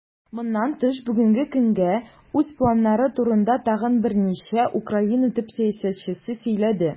Моннан тыш, бүгенге көнгә үз планнары турында тагын берничә Украина топ-сәясәтчесе сөйләде.